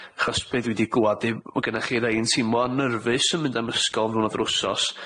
Achos be' dwi 'di glwad 'di bo' gennach chi rei yn teimlo'n nyrfus yn mynd am yr ysgol am ddwrnod yr wsos.